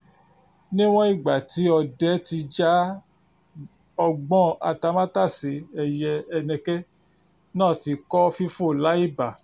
Níwọ̀n ìgbà tí òde ti já ọgbọ́n àtamátàsè, ẹyẹ Eneke náà ti kọ́ fífò láì bà.